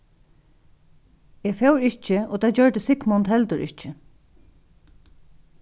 eg fór ikki og tað gjørdi sigmund heldur ikki